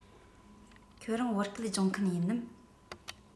ཁྱོད རང བོད སྐད སྦྱོང མཁན ཡིན ནམ